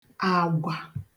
àgwa